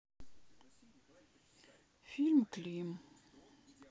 фильм клим